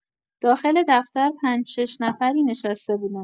داخل دفتر پنج - شش‌نفری نشسته بودند.